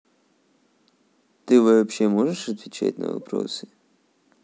ты вообще можешь отвечать на вопросы